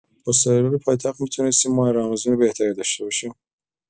با سریال پایتخت می‌تونستیم ماه رمضون بهتری داشته باشیم!